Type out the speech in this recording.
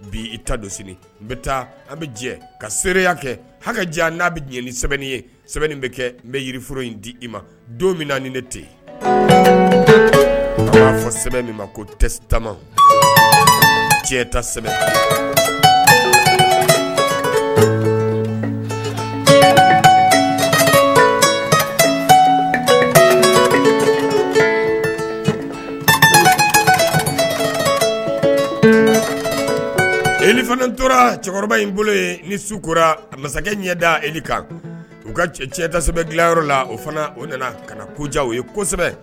Bi i ta don sini n bɛ taa an bɛ jɛ ka seereya kɛ hakɛ n'a bɛ diɲɛ ni sɛbɛnni ye sɛbɛnni bɛ kɛ n bɛ yirioro in di i ma don min ni ne tɛ yen'a fɔ sɛ min ma ko teta cɛ sɛbɛn fana tora cɛkɔrɔba in bolo ye ni su kora masakɛ ɲɛ da e kan u ka cɛ kosɛbɛ dilayɔrɔ la o fana o nana ka na kojan o ye kosɛbɛ